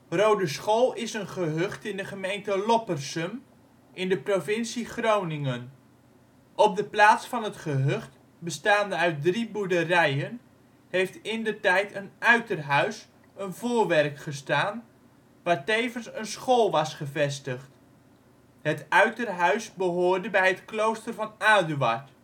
Rodeschool is een gehucht in de gemeente Loppersum in de provincie Groningen. Op de plaats van het gehucht, bestaande uit drie boerderijen, heeft indertijd een uiterhuis (voorwerk) gestaan, waar tevens een school was gevestigd. Het uiterhuis behoorde bij het klooster van Aduard